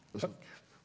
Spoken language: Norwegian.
takk.